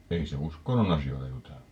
ei se uskonnon asioita jutellut